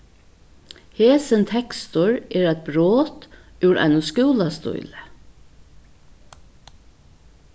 hesin tekstur er eitt brot úr einum skúlastíli